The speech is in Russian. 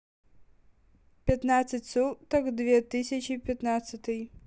пятнадцать суток две тысячи пятнадцатый